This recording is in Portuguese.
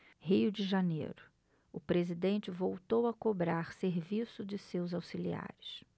rio de janeiro o presidente voltou a cobrar serviço de seus auxiliares